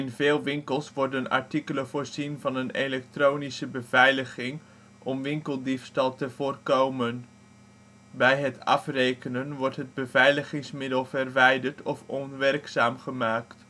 veel winkels worden artikelen voorzien van een elektronische beveiliging om winkeldiefstal te voorkomen. Bij het afrekenen wordt het beveiligingsmiddel verwijderd of onwerkzaam gemaakt